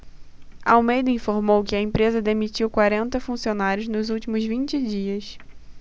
almeida informou que a empresa demitiu quarenta funcionários nos últimos vinte dias